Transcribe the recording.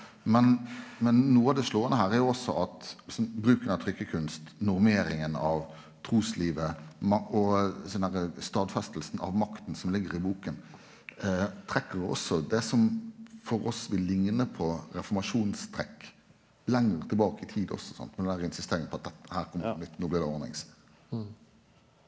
men men noko av det slåande her er jo også at liksom bruken av trykkarkunst normeringa av truslivet og sånn derre stadfestinga av makta som ligg i boka trekk jo også det som for oss vil likne på reformasjonstrekk lenger tilbake i tid også sant med den der insisteringa på at det her nå blir det ordning.